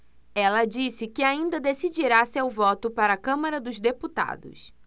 ela disse que ainda decidirá seu voto para a câmara dos deputados